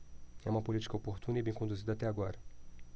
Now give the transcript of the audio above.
é uma política oportuna e bem conduzida até agora